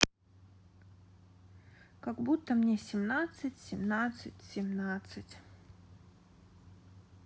как будто мне семнадцать семнадцать семнадцать